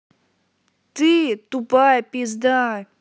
ты тупая пизда